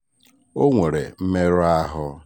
Ọ nwere mmerụ ahụ.